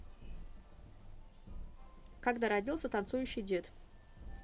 когда родился танцующий дед